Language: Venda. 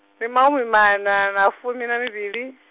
ya mahumimaṋa na fumi na mivhili.